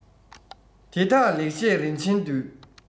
དེ དག ལེགས བཤད རིན ཆེན སྡུད